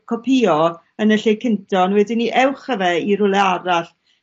copio yn y lle cynta on' wedyn 'ny ewch â fe i rywle arall.